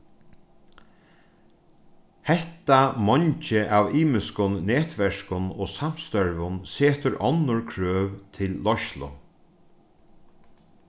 hetta meingið av ymiskum netverkum og samstørvum setir onnur krøv til leiðslu